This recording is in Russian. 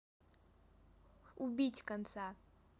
убить конца